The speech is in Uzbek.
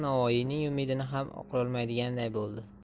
navoiyning umidini ham oqlolmaydiganday bo'ldi